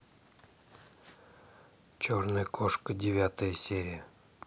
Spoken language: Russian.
черная кошка девятая серия